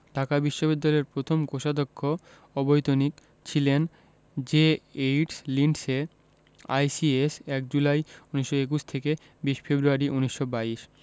ঢাকা বিশ্ববিদ্যালয়ের প্রথম কোষাধ্যক্ষ অবৈতনিক ছিলেন জে.এইচ লিন্ডসে আইসিএস ১ জুলাই ১৯২১ থেকে ২০ ফেব্রুয়ারি ১৯২২